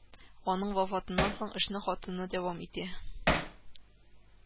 Аның вафатыннан соң, эшне хатыны дәвам итә